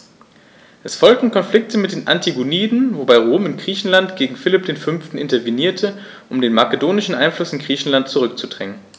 Es folgten Konflikte mit den Antigoniden, wobei Rom in Griechenland gegen Philipp V. intervenierte, um den makedonischen Einfluss in Griechenland zurückzudrängen.